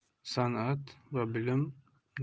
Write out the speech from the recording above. san'at va bilim